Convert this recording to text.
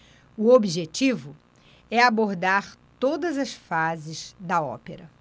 o objetivo é abordar todas as fases da ópera